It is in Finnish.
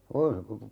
-